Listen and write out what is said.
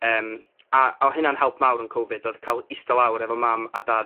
Yym, a odd hynna'n help mawr yn Covid odd ca'l ista lawr efo mam a dad,